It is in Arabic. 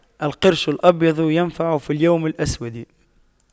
القرش الأبيض ينفع في اليوم الأسود